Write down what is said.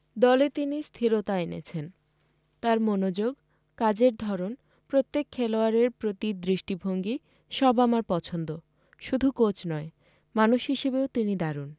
দলে তিনি স্থিরতা এনেছেন তাঁর মনোযোগ কাজের ধরন প্রত্যেক খেলোয়াড়ের প্রতি দৃষ্টিভঙ্গি সব আমার পছন্দ শুধু কোচ নয় মানুষ হিসেবেও তিনি দারুণ